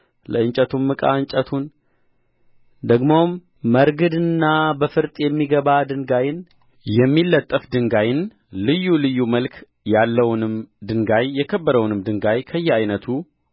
ለእንጨቱም ዕቃ እንጨቱን ደግሞም መረግድንና በፈርጥ የሚገባ ድንጋይን የሚለጠፍ ድንጋይን ልዩ ልዩ መልክ ያለውንም ድንጋይ የከበረውንም ድንጋይ ከየዓይነቱ